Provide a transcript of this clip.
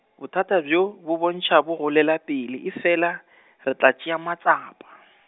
bothata bjo bo bontšha bo golela pele efela, re tla tšea matsapa.